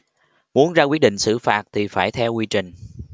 muốn ra quyết định xử phạt thì phải theo quy trình